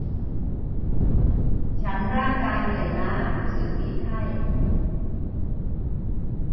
ฉันร่างกายเหนื่อยล้ารู้สึกมีไข้